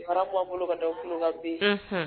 Wara b'a bolo ka bolo ka bin